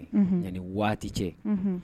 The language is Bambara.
Yan ni waati cɛ